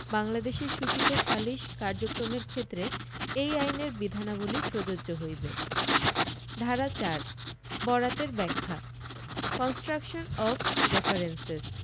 বাংলাদেশে সূচিত সালিস কার্যক্রমের ক্ষেত্রে এই আইনের বিধানাবলী প্রযোজ্য হইবে ধারা ৪ বরাতের ব্যাখ্যা কন্সট্রাকশন অফ রেফারেঞ্চেস